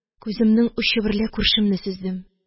Күземнең очы берлә күршемне сөздем